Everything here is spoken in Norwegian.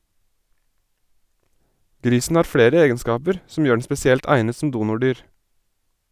Grisen har flere egenskaper som gjør den spesielt egnet som donordyr.